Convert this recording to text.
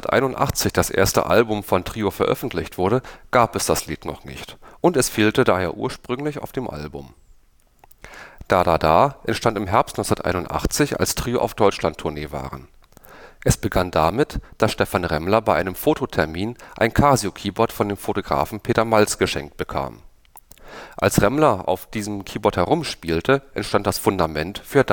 1981 das erste Album von Trio veröffentlicht wurde, gab es dieses Lied noch nicht, und es fehlte daher ursprünglich auf dem Album. „ Da da da “entstand erst im Herbst 1981, als Trio auf Deutschland-Tournee waren. Es begann damit, dass Stephan Remmler bei einem Fototermin ein Casio-Keyboard von dem Fotografen Peter Malz geschenkt bekam. Als Stephan auf diesem Keyboard herumspielte, entstand das Fundament für